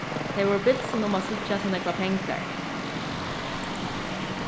tey vóru bilsin um at síggja so nógvar pengar